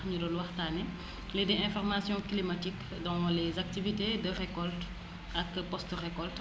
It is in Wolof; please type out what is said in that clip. ñu doon waxtaanee lii di information climatique dans les activités de récolte ak post récolte